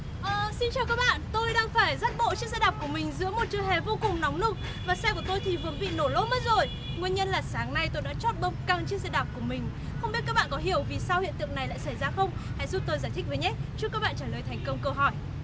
xin chào các bạn tôi đang phải dắt bộ chiếc xe đạp của mình giữa một trưa hè vô cùng nóng nực và xe của tôi thì bị nổ lốp mất rồi nguyên nhân là sáng nay tôi đã trót bơm căng chiếc xe đạp của mình không biết các bạn có hiểu vì sao hiện tượng này lại xảy ra không hãy giúp tôi giải thích với nhé chúc các bạn trả lời thành công câu hỏi